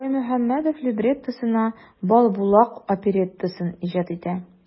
Баймөхәммәдев либреттосына "Балбулак" опереттасын иҗат итә.